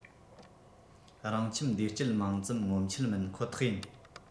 རང ཁྱིམ བདེ སྐྱིད མང ཙམ ངོམ ཆེད མིན ཁོ ཐག ཡིན